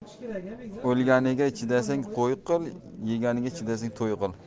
o'lganiga chidasang qo'y qil yeganiga chidasang to'y qil